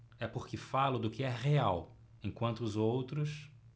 é porque falo do que é real enquanto os outros